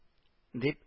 — дип